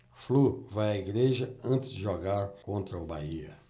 flu vai à igreja antes de jogar contra o bahia